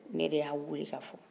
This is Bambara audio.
ne de y' a wele k' a fɔ